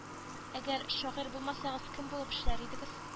Әгәр шагыйрь булмасагыз кем булып эшләр идегез